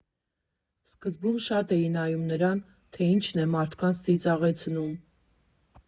Սկզբում շատ էի նայում նրան, թե ինչն է մարդկանց ծիծաղեցնում։